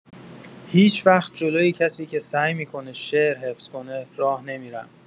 هیچ‌وقت جلوی کسی که سعی می‌کنه شعر حفظ کنه، راه نمی‌رم.